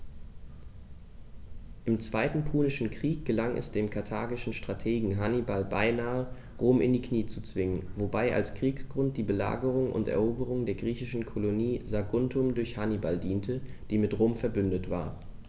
Im Zweiten Punischen Krieg gelang es dem karthagischen Strategen Hannibal beinahe, Rom in die Knie zu zwingen, wobei als Kriegsgrund die Belagerung und Eroberung der griechischen Kolonie Saguntum durch Hannibal diente, die mit Rom „verbündet“ war.